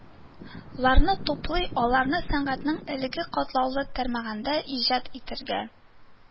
Ларны туплый, аларны сәнгатьнең әлеге катлаулы тармагында иҗат итәргә